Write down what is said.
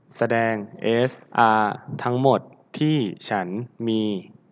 แสดงเอสอาทั้งหมดที่ฉันมี